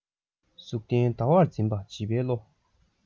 གཟུགས བརྙན ཟླ བར འཛིན པ བྱིས པའི བློ